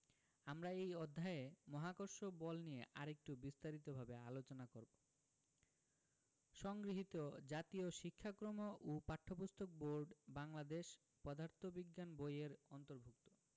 আমরা এই অধ্যায়ে মহাকর্ষ বল নিয়ে আরেকটু বিস্তারিতভাবে আলোচনা করব সংগৃহীত জাতীয় শিক্ষাক্রম ও পাঠ্যপুস্তক বোর্ড বাংলাদেশ পদার্থ বিজ্ঞান বই এর অন্তর্ভুক্ত